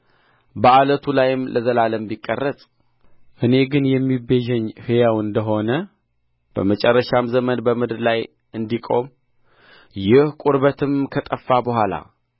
በዓለቱ ላይ ለዘላለም ቢቀረጽ እኔን ግን የሚቤዠኝ ሕያው እንደ ሆነ በመጨረሻም ዘመን በምድር ላይ እንዲቆም ይህ ቁርበቴም ከጠፋ በኋላ